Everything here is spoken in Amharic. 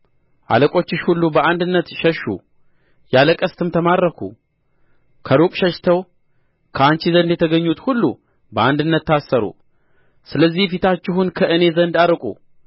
አለቆችሽ ሁሉ በአንድነት ሸሹ ያለ ቀስትም ተማረኩ ከሩቅ ሸሽተው ከአንቺ ዘንድ የተገኙት ሁሉ በአንድነት ታሰሩ ስለዚህ ፊታችሁን ከእኔ ዘንድ አርቁ